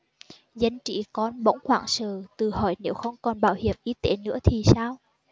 dân trí con bỗng hoảng sợ tự hỏi nếu không còn bảo hiểm y tế nữa thì sao